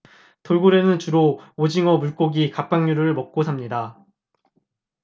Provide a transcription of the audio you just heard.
돌고래는 주로 오징어 물고기 갑각류 등을 먹고 삽니다